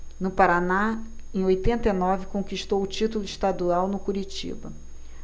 no paraná em oitenta e nove conquistou o título estadual no curitiba